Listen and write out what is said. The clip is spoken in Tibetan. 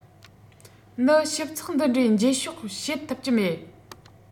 ནི ཞིབ ཚགས འདི འདྲའི འབྱེད ཕྱོད བྱེད ཐུབ ཀྱི མེད